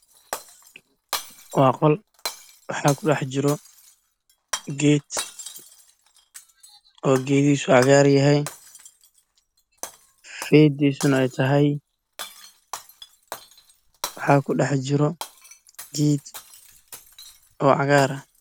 Halkaan waxaa ka muuqdo miis cad oo ay saaran yahay sageel madaw oo geed ubax ku dhex jiro ubaxana waa buluug iyo cagaar